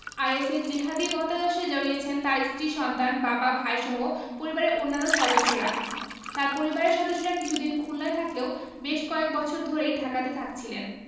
আইএসের জিহাদি মতাদর্শে জড়িয়েছেন তাঁর স্ত্রী সন্তান বাবা ভাইসহ পরিবারের অন্য সদস্যরা তাঁর পরিবারের সদস্যরা কিছুদিন খুলনায় থাকলেও বেশ কয়েক বছর ধরে ঢাকাতেই থাকছিলেন